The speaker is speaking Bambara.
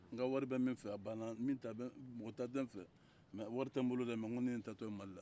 n ka wari bɛ min fɛ a banna mɔgɔ ta tɛ n fɛ mɛ warri tɛ n bolo de mɛ nin n taatɔ ye mali la